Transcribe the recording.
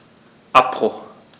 Abbruch.